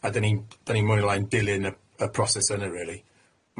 A 'dyn ni'n 'dyn ni'n mwy neu lai'n dilyn y y proses yna rili.